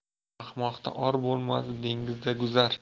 ahmoqda or bo'lmas dengizda guzar